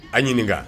A ɲininka